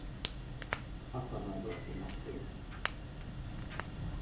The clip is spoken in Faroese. kasta mær bóltin aftur